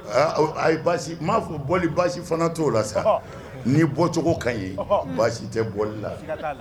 Ayi m' fɔ bɔ baasi fana to o la sa ni bɔcogo ka ye baasi tɛ bɔli la